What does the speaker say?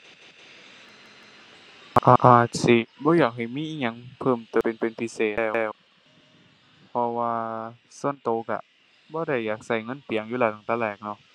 อาจสิบ่อยากให้มีอิหยังเพิ่มเติมเป็นพิเศษแล้ว เพราะว่าส่วนตัวตัวบ่ได้อยากตัวเงินเปลืองอยู่แล้วตั้งแต่แรกเนาะ